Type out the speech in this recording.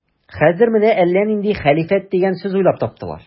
Хәзер менә әллә нинди хәлифәт дигән сүз уйлап таптылар.